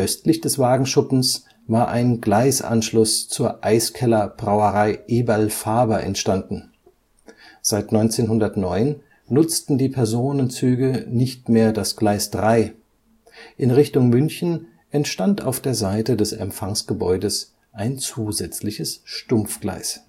Östlich des Waggonschuppens war ein Gleisanschluss zur Eiskeller Brauerei Eberl-Faber entstanden. Seit 1909 nutzten die Personenzüge nicht mehr das Gleis 3, in Richtung München entstand auf der Seite des Empfangsgebäudes ein zusätzliches Stumpfgleis